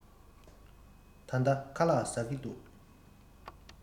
ད ལྟ ཁ ལག ཟ གི འདུག